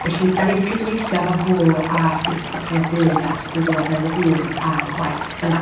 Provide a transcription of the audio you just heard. Felly, dan ni 'di cydweithio efo nhw a Phrifysgol Caerdydd ers 2021 ar y gwaith yma.